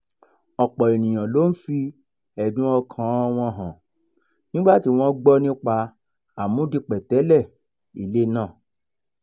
Ọ̀pọ̀ ènìyàn l'ó fi ẹ̀dùn ọkàn-an wọn hàn nígbà tí wọ́n gbọ́ nípa àmúdipẹ̀tẹ́lẹ̀ ilé náà.